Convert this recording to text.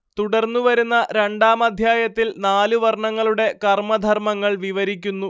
തുടർന്ന് വരുന്ന രണ്ടാം അധ്യായത്തിൽ നാലുവർണങ്ങളുടെ കർമധർമങ്ങൾ വിവരിക്കുന്നു